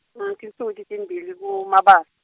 tinsuku letimbili kuMabas-.